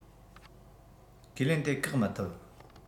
ཁས ལེན དེ བཀག མི ཐུབ